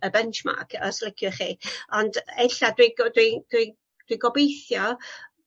y benchmark os liciwch chi. Ond eilla dwi go- dwi dwi dwi gobeithio